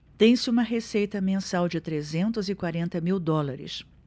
tem-se uma receita mensal de trezentos e quarenta mil dólares